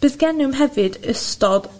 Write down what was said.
Bydd genwm hefyd ystod